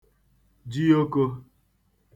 jiokō